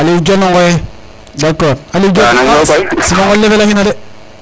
Aliou Dione o Ngoye d' accord Aliou Dione simangole felaxina de